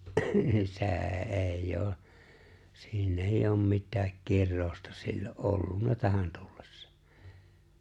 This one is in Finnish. niin se ei ole siinä ei ole mitään kirousta silloin ollut tähän tullessa